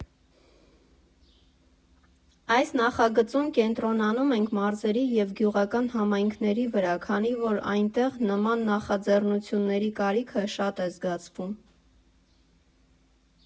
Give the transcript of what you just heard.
Այս նախագծում կենտրոնանում ենք մարզերի և գյուղական համայնքների վրա, քանի որ այնտեղ նման նախաձեռնությունների կարիքը շատ է զգացվում։